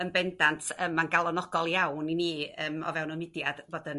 Yn bendant y ma'n galonogol iawn i ni yym o fewn y mudiad fod yn